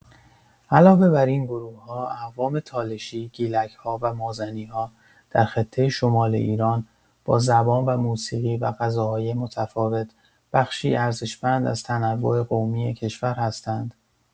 علاوه بر این گروه‌ها، اقوام تالشی، گیلک‌ها و مازنی‌ها در خطه شمال ایران با زبان و موسیقی و غذاهای متفاوت، بخشی ارزشمند از تنوع قومی کشور هستند.